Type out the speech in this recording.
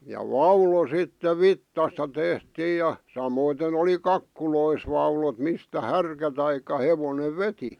ja vaulo sitten vitsasta tehtiin ja samoiten oli kakkuloissa vaulot mistä härkä tai hevonen veti